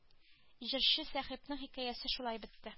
Җырчы сәхипнең хикәясе шулай бетте